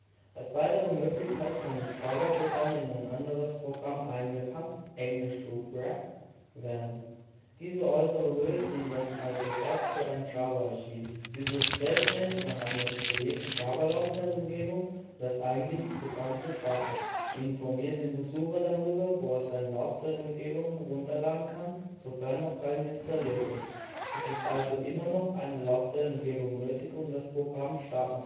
weitere Möglichkeit kann das Java-Programm in ein anderes Programm „ eingepackt “(englisch to wrap) werden; diese äußere Hülle dient dann als Ersatz für ein Java Archive. Sie sucht selbständig nach einer installierten Java-Laufzeitumgebung, um das eigentliche Programm zu starten, und informiert den Benutzer darüber, wo er eine Laufzeitumgebung herunterladen kann, sofern noch keine installiert ist. Es ist also immer noch eine Laufzeitumgebung nötig, um das Programm starten